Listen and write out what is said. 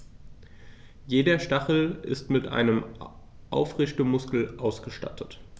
Jeder Stachel ist mit einem Aufrichtemuskel ausgestattet.